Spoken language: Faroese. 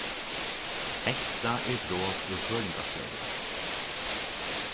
hetta er brot úr føroyingasøgu